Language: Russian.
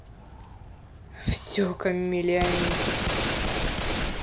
все камиль и аминка